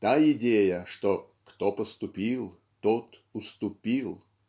та идея, что "кто поступил, тот уступил"